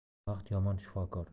vaqt yomon shifokor